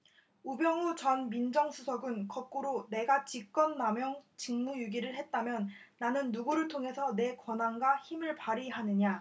우병우 전 민정수석은 거꾸로 내가 직권남용 직무유기를 했다면 나는 누구를 통해서 내 권한과 힘을 발휘하느냐